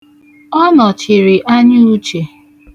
Ọ nọchiri anya Uche